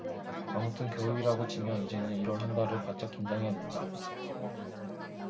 아무튼 겨울이라고 치면 이제는 일 월 한 달을 바짝 긴장해야 된다